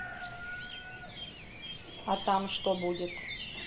а там что будет